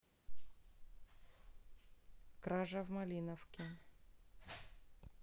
кража в малиновке